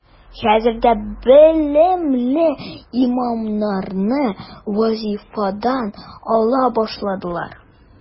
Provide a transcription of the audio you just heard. Хәзер дә белемле имамнарны вазифадан ала башладылар.